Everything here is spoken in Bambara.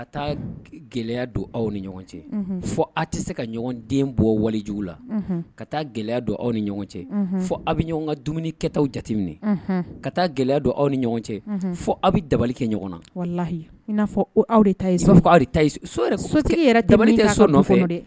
Ka taa gɛlɛya don aw ni ɲɔgɔn cɛ fo aw tɛ se ka ɲɔgɔn den bɔ waliju la ka taa gɛlɛya don aw ni ɲɔgɔn cɛ fo aw bɛ ɲɔgɔn ka dumuni kɛta jateminɛ ka taa gɛlɛya don aw ni ɲɔgɔn cɛ fo aw bɛ dabali kɛ ɲɔgɔn nahiyi'a fɔ aw ta b'a fɔ aw ta yɛrɛ dabali tɛ so nɔfɛ